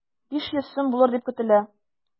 500 сум булыр дип көтелә.